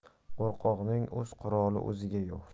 qo'rqoqning o'z quroli o'ziga yov